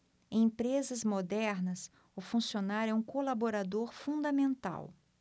em empresas modernas o funcionário é um colaborador fundamental